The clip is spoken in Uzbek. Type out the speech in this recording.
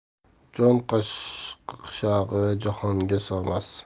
jon qaqshag'i jahonga sig'mas